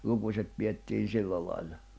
lukuset pidettiin sillä lailla